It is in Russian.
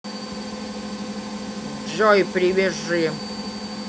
джой привяжи